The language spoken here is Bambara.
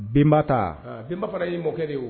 Benba ta? Aa! Bɛnba fana ye mɔkɛ de ye o.